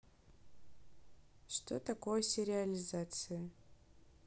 что такое сериализация